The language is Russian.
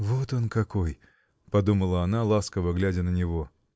"Вот он какой", -- подумала она, ласково глядя на него